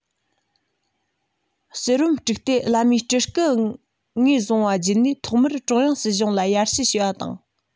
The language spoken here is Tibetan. གསེར བུམ དཀྲུགས ཏེ བླ མའི སྤྲུལ སྐུ ངོས བཟུང བ བརྒྱུད ནས ཐོག མར ཀྲུང དབྱང སྲིད གཞུང ལ ཡར ཞུ བྱས པ དང